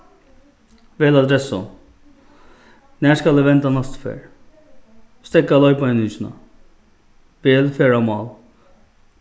vel adressu nær skal eg venda næstu ferð steðga leiðbeiningini vel ferðamál